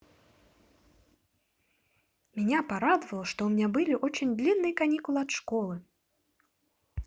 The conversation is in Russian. меня порадовало что у меня были очень длинные каникулы от школы